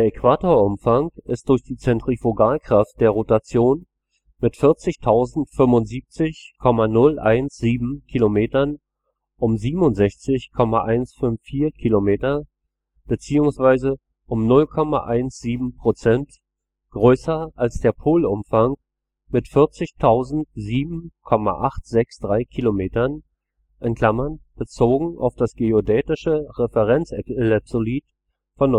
Äquatorumfang ist durch die Zentrifugalkraft der Rotation mit 40.075,017 km um 67,154 km bzw. um 0,17 % größer als der Polumfang mit 40.007,863 km (bezogen auf das geodätische Referenzellipsoid von